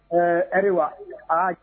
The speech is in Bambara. Ɛɛ ayiwa aa